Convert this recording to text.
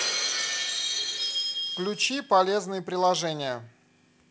включи полезные приложения